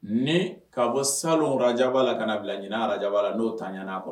Ne ka bɔ salon arajaba la ka bila ɲinin arajaba la n'o ta ɲ a kɔnɔ